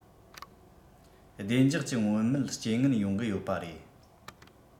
བདེ འཇགས ཀྱི མངོན མེད རྐྱེན ངན ཡོང གི ཡོད པ རེད